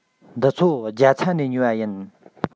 འདི ཚོ རྒྱ ཚ ནས ཉོས པ ཡིན